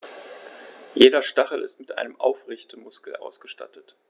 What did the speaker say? Jeder Stachel ist mit einem Aufrichtemuskel ausgestattet.